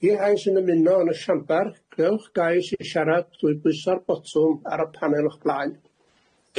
I'r rhai sy'n ymuno yn y siambar, gwnewch gais i siarad drwy bwyso'r botwm ar y panel o'ch blaen.